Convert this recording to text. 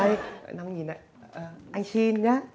đây năm nghìn ạ ơ anh xin nhá